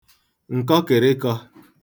ǹkọkị̀rịkọ̄